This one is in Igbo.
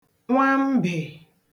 nwambị̀